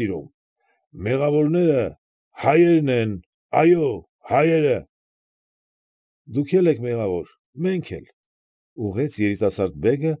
Սիրում, մեղավորները հայերն են, այո՜, հայերը։ ֊ Դուք էլ եք մեղավոր, մենք էլ,֊ ուղղեց երիտասարդ բեգը,